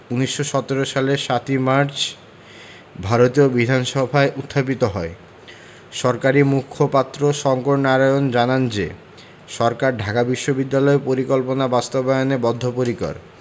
১৯১৭ সালের ৭ মার্চ ভারতীয় বিধানসভায় উত্থাপিত হয় সরকারি মুখপাত্র শঙ্কর নারায়ণ জানান যে সরকার ঢাকা বিশ্ববিদ্যালয় পরিকল্পনা বাস্তবায়নে বদ্ধপরিকর